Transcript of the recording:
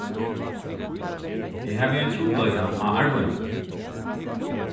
eg havi ein trupulleika á arbeiðinum